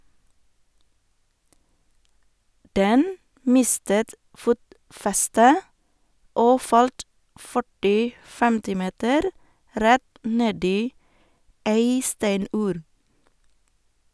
- Den mistet fotfestet og falt 40-50 meter rett ned i ei steinur.